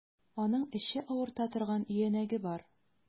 Аның эче авырта торган өянәге бар.